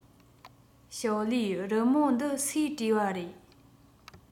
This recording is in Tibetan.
ཞོའོ ལིའི རི མོ འདི སུས བྲིས པ རེད